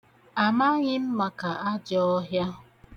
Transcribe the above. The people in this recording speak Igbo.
Amaghị m maka ajọọhịa.